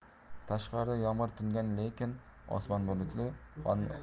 tashqarida yomg'ir tingan lekin osmon bulutli